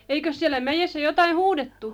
eikös siellä mäessä jotakin huudettu